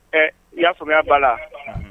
Ɛ i y'a faamuyaya ba la